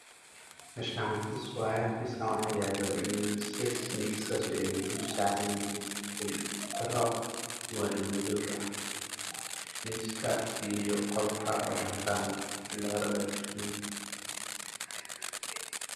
Meeshaan xafiis yaawe waxaa yaala miisas miisaskaas waxaa dul saaran kumbuyuutaro madow ah xafiiska iyo qolka oo cadaan ah leerar ay ka shidan yihiin.